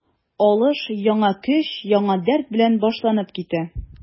Алыш яңа көч, яңа дәрт белән башланып китә.